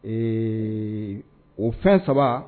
Ee o fɛn 3.